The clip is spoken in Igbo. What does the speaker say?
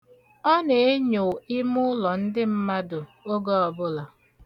Ọ na-enyo ime ụlọ ndị mmadụ oge ọbụla.